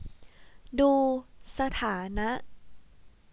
ดูสถานะ